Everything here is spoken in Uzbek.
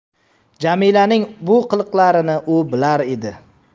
jamilaning bu qiliqlarini u bilar edi